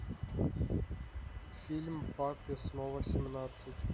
фильм папе снова семнадцать